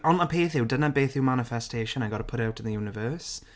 Ond y peth yw... dyna beth yw manifestation. I've got to put out in the universe.